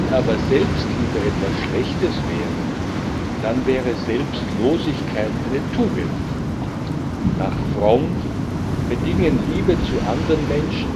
aber Selbstliebe etwas Schlechtes wäre, dann wäre Selbstlosigkeit eine Tugend. Nach Fromm bedingen Liebe zu anderen Menschen